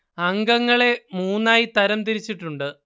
അംഗങ്ങളെ മൂന്നായി തരംതിരിച്ചിട്ടുണ്ട്